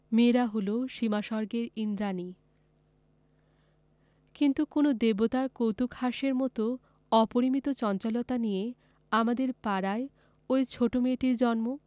মেয়েরা হল সীমাস্বর্গের ঈন্দ্রাণী কিন্তু কোন দেবতার কৌতূকহাস্যের মত অপরিমিত চঞ্চলতা নিয়ে আমাদের পাড়ায় ঐ ছোট মেয়েটির জন্ম